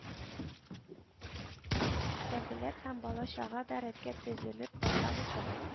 Тәгеләр һәм бала-чага да рәткә тезелеп басабыз да